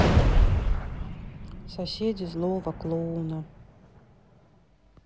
соседи злого клоуна